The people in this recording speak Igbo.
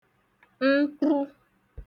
mkpru